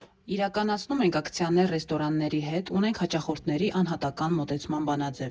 Իրականացնում ենք ակցիաներ ռեստորանների հետ, ունենք հաճախորդների անհատական մոտեցման բանաձև։